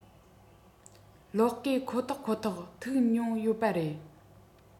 གློག སྐས ཁོ ཐག ཁོ ཐག ཐུག མྱོང ཡོད པ རེད